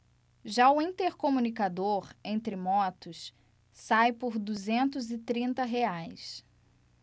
já o intercomunicador entre motos sai por duzentos e trinta reais